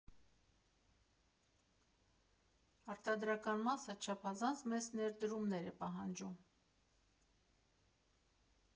Արտադրական մասը չափազանց մեծ ներդրումներ է պահանջում։